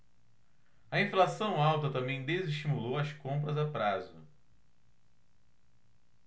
a inflação alta também desestimulou as compras a prazo